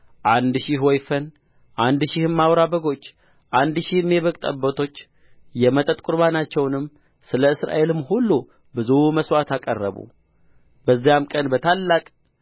አንድ ሺህ ወይፈን አንድ ሺህም አውራ በጎች አንድ ሺህም የበግ ጠቦቶች የመጠጥ ቍርባናቸውንም ስለ እስራኤልም ሁሉ ብዙ መሥዋዕት አቀረቡ ዚያም ቀን በታላቅ